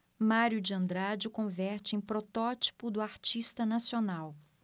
mário de andrade o converte em protótipo do artista nacional